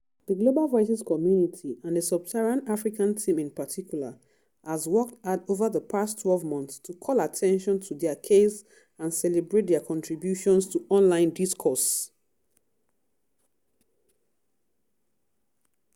The Global Voices community, and the Sub-Saharan Africa team in particular, has worked hard over the past twelve months to call attention to their case and celebrate their contributions to online discourse.